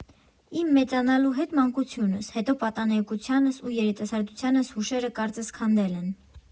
Իմ մեծանալու հետ մանկությունս, հետո պատանեկությանս ու երիտասարդությանս հուշերը կարծես քանդել են։